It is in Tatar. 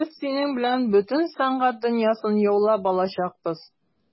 Без синең белән бөтен сәнгать дөньясын яулап алачакбыз.